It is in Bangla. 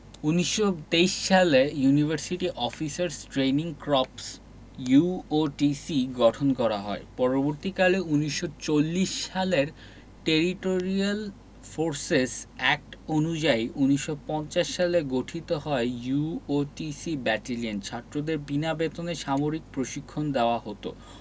১৯২৩ সালে university officers training corps UOTC গঠন করা হয় পরবর্তীকালে ১৯৪০ সালের টেরিটরিয়াল ফর্সেস এক্ট অনুযায়ী ১৯৫০ সালে গঠিত হয় ইউওটিসি ব্যাটালিয়ন ছাত্রদের বিনা বেতনে সামরিক প্রশিক্ষণ দেওয়া হতো